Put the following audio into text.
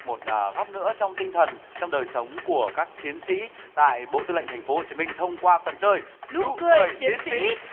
một góc nữa trong tinh thần trong đời sống của các chiến sĩ tại bộ tư lệnh thành phố hồ chí minh thông qua phần chơi nụ cười chiến sĩ